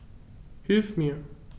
Hilf mir!